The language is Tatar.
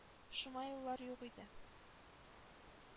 Шома юллар юк иде.